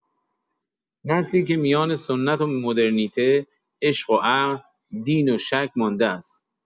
نسلی که میان سنت و مدرنیته، عشق و عقل، دین و شک مانده است.